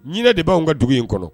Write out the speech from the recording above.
Ɲin de b'anw ka dugu in kɔnɔ